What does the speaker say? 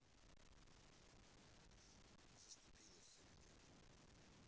заступись за меня